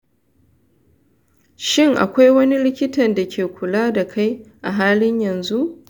shin akwai wani likitan da ke kula da kai a halin yanzu?